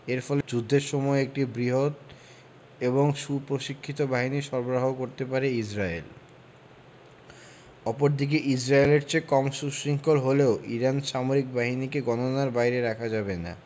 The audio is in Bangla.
এর ফলে যুদ্ধের সময় একটি বৃহৎ এবং সুপ্রশিক্ষিত বাহিনী সরবরাহ করতে পারে ইসরায়েল অপরদিকে ইসরায়েলের চেয়ে কম সুশৃঙ্খল হলেও ইরানি সামরিক বাহিনীকে গণনার বাইরে রাখা যাবে না